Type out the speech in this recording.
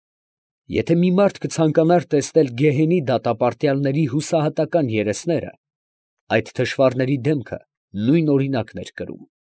Եթե մի մարդ կցանկանար տեսնել գեհենի դատապարտյալների հուսահատական երեսները, ֊ այդ թշվառների դեմքը նույն օրինակն էր կրում։